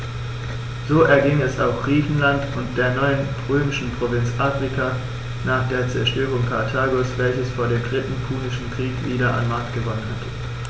So erging es auch Griechenland und der neuen römischen Provinz Afrika nach der Zerstörung Karthagos, welches vor dem Dritten Punischen Krieg wieder an Macht gewonnen hatte.